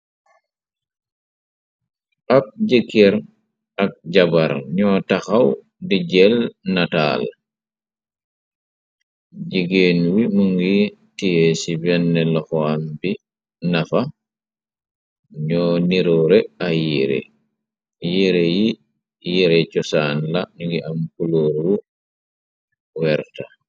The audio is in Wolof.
Ab jëker ak jabar ñoo taxaw di jel nataal, jigéen wi mu ngi tiye ci benn loxom bi nafa, ñoo niroore ay yire, yire yi yere cosaan la ñungi am kulooru werta.